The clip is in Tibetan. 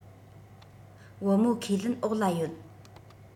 བུ མོ ཁས ལེན འོག ལ ཡོད